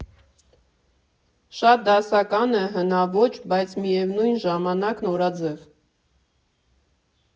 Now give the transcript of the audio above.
Շատ դասական է, հնաոճ է, բայց միևնույն ժամանակ՝ նորաձև։